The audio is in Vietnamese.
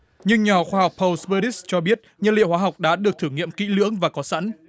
nhưng nhà khoa học hâu bê đít cho biết nhiên liệu hóa học đã được thử nghiệm kỹ lưỡng và có sẵn